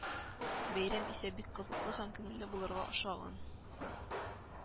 Бәйрәм исә бик кызыклы һәм күңелле булырга охшаган